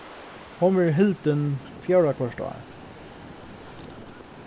hon verður hildin fjórða hvørt ár